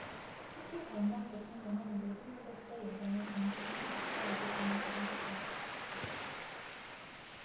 특히 전 전 대통령은 내빈 소개 때 여전히 전두환 각하라고 불리기도 했다